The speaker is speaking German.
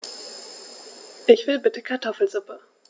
Ich will bitte Kartoffelsuppe.